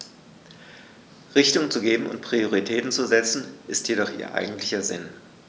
Richtung zu geben und Prioritäten zu setzen, ist jedoch ihr eigentlicher Sinn.